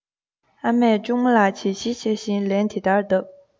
ཨ མས གཅུང མོ ལ བྱིལ བྱིལ བྱེད བཞིན ལན དེ ལྟར བཏབ